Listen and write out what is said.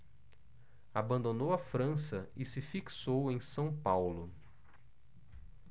abandonou a frança e se fixou em são paulo